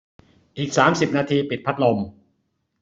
อีกสามสิบนาทีปิดพัดลม